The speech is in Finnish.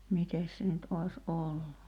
mitenkäs se nyt olisi ollut